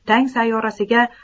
tang sayyorasiga